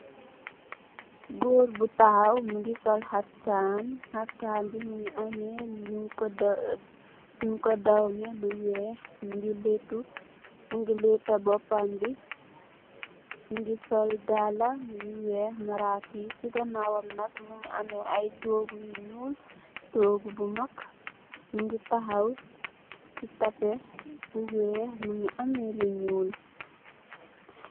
Gòor bu tahaw mungi sol haftaan, haftaan bi mungi ameh lun ko, nung ko dawmè lu weeh. Mungi lettu, mungi letta boppam bi, mungi sol daal yu weeh marakis ci ganaawam nak mungi ameh ay toogu ñuul, toogu bu mag. Mungi tahaw ci tapè bu weeh mungi ameh lu ñuul.